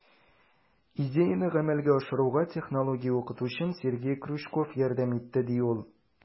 Идеяне гамәлгә ашыруга технология укытучым Сергей Крючков ярдәм итте, - ди ул.